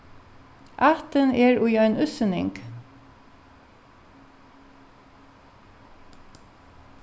ættin er í ein útsynning